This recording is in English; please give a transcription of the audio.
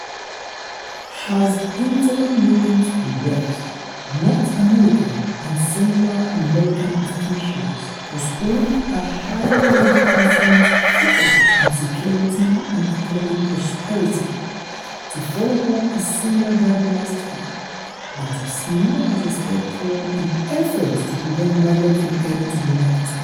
As internal meetings progressed, North American and Central American officials postponed a high-level conference focused on security and economic prosperity to follow up a similar gathering last year that was seen as a step forward in efforts to prevent migrants from heading to the United States.